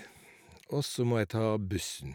Og så må jeg ta bussen.